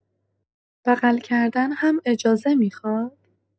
بغل کردن هم اجازه می‌خواد؟